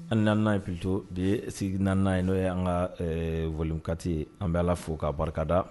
An naani ye ptuo de sigi naani ye n'o ye an ka walekati an bɛ la fo k'a barikada